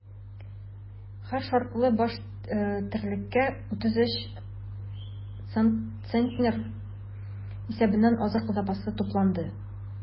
Һәр шартлы баш терлеккә 33 центнер исәбеннән азык запасы тупланды.